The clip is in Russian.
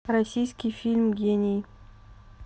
российский фильм гений